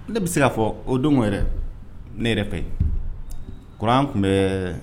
Ne bɛ se k kaa fɔ o don yɛrɛ ne yɛrɛ fɛ kuran tun bɛ